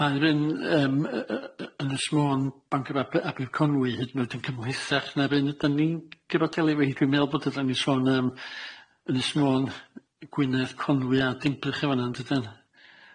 Yy a- a'r un yym yy yy yy Ynys Môn Bank yr Aby- Aberconwy hyd yn oed yn cymhlethach na'r un ydan ni'n cyfodeli efo h, dwi'n meddwl bo angen son am Ynys Môn, Gwynedd, Conwy a Dinbych a fana yndydan?